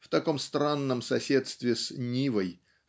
в таком странном соседстве с "Нивой"